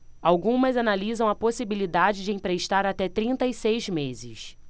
algumas analisam a possibilidade de emprestar até trinta e seis meses